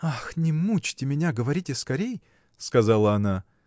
– Ах, не мучьте меня, говорите скорей! – сказала она.